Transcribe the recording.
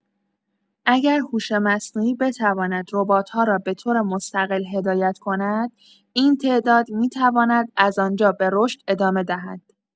اگر هوش مصنوعی بتواند ربات‌ها را به‌طور مستقل هدایت کند، این تعداد می‌تواند از آنجا به رشد ادامه دهد.